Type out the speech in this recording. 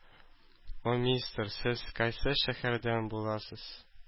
О, мистер, сез кайсы шәһәрдән буласыз?